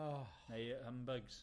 O. Neu humbugs.